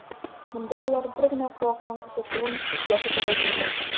Монда алар бер генә колакның кычытуын күздә тотып әйтмиләр.